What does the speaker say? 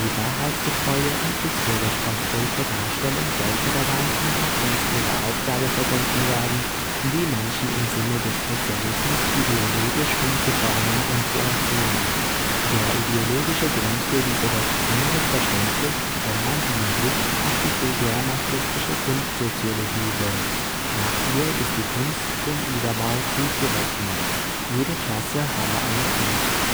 wahrheitsgetreue und historisch konkrete Darstellung sollte dabei in der Kunst mit der Aufgabe verbunden werden, die Menschen im Sinne des Sozialismus ideologisch umzuformen und zu erziehen. Der ideologische Grund für diese Doktrin wird verständlich, wenn man einen Blick auf die vulgärmarxistische Kunstsoziologie wirft. Nach ihr ist die Kunst dem Überbau zuzurechnen; jede Klasse habe eine Kunst